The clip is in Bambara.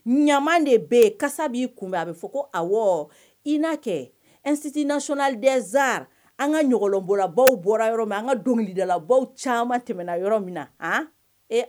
Ɲaman de bɛ yen, kasa bɛ i kun na , a bɛ fɔ ko awɔ, INA kɛ Institut des Arts nsi nasolada an ka ɲɔgɔnlɔnbɔla baw bɔra yɔrɔ min na, an ka donkilidalabaw caaman tɛmɛna yɔrɔ min na.